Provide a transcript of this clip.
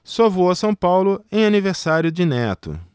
só vou a são paulo em aniversário de neto